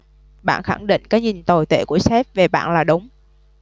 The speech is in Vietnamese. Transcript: bạn khẳng định cái nhìn tồi tệ của sếp về bạn là đúng